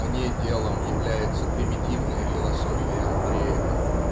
а не делом является примитивная философия Андреева.